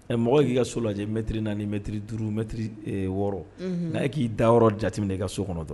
Ɛɛ mɔgɔ k'i ka so lajɛ metres 4 ni metres 5 mètres 6 nka e k'i da yɔrɔ jateminɛ i ka so kɔnɔ dɔrɔn.